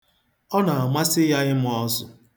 Ọ na-amasị ya ịma ọsụ.